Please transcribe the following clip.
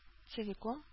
Целиком